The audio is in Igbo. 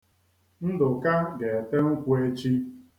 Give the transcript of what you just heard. Ndụka ga-ete nkwụ echi.